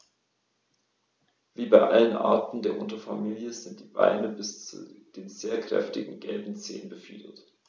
Wie bei allen Arten der Unterfamilie sind die Beine bis zu den sehr kräftigen gelben Zehen befiedert.